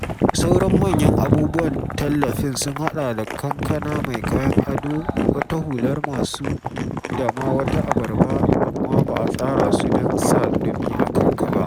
Sauran manyan abubuwan tallafin sun haɗa da kankana mai kayan ado, wata hular masu da ma wata abarba - amma ba a tsara su don sa dumi a kanka ba.